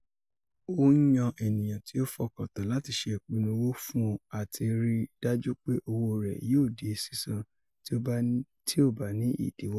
Ó yan ènìyàn tí ó fọkàntán láti ṣe ìpinnu owó fún ọ àti rì i dájú pé owó rẹ yóò di sísan tí o bá ní ìdíwọ́.